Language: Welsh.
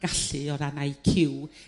gallu o ran IQ